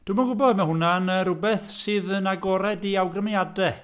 Dwi ddim yn gwybod, mae hwnna'n yy rywbeth sydd yn agored i awgrymiadau.